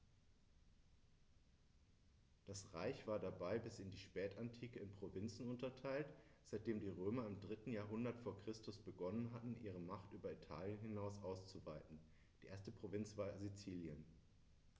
Das Reich war dabei bis in die Spätantike in Provinzen unterteilt, seitdem die Römer im 3. Jahrhundert vor Christus begonnen hatten, ihre Macht über Italien hinaus auszuweiten (die erste Provinz war Sizilien).